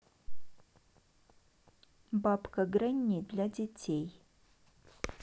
бабка гренни для детей